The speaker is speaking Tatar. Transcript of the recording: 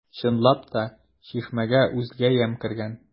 Чынлап та, чишмәгә үзгә ямь кергән.